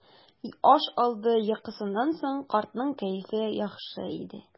Аш алды йокысыннан соң картның кәефе яхшы иде.